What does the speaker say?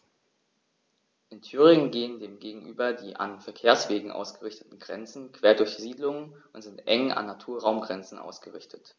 In Thüringen gehen dem gegenüber die an Verkehrswegen ausgerichteten Grenzen quer durch Siedlungen und sind eng an Naturraumgrenzen ausgerichtet.